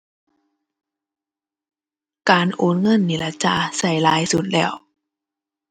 การโอนเงินนี่ล่ะจ้า ใช้หลายสุดแล้ว